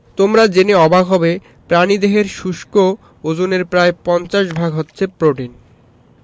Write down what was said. তোমরা জেনে অবাক হবে প্রাণীদেহের শুষ্ক ওজনের প্রায় ৫০ ভাগ হচ্ছে প্রোটিন